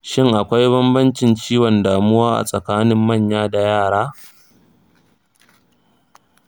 shin akwai bambancin ciwon damuwa a tsakanin manya da yara?